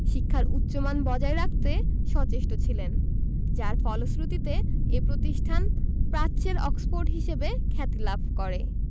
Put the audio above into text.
শিক্ষার উচ্চমান বজায় রাখতে সচেষ্ট ছিলেন যার ফলশ্রুতিতে এ প্রতিষ্ঠান প্রাচ্যের অক্সফোর্ড হিসেবে খ্যাতি লাভ করে